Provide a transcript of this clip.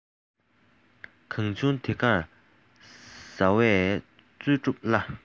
གང བྱུང དེ གར ཟ བས རྩོལ སྒྲུབ སླ